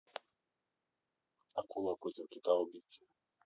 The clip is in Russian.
акула против кита убийцы